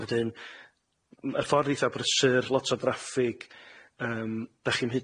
Wedyn ma'r ffordd eitha' brysur lot o ddraffig yym 'dach chi'm